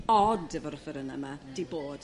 od efo'r offeryn 'ma 'di bod